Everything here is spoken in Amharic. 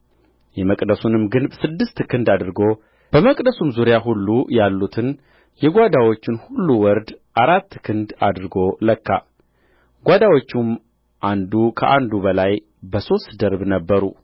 የመቅደሱንም ግንብ ስድስት ክንድ አድርጎ በመቅደሱም ዙሪያ ሁሉ ያሉትን የጓዳዎቹን ሁሉ ወርድ አራት ክንድ አድርጎ ለካ ጓዳዎቹም አንዱ ከአንዱ በላይ በሦስት ደርብ ነበሩ